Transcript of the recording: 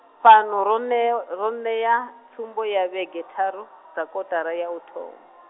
fhano ro neo-, ro neya, tsumbo ya vhege tharu, dza kotara ya u thoma.